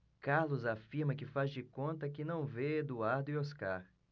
carlos afirma que faz de conta que não vê eduardo e oscar